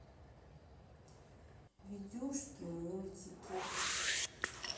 видюшки мультики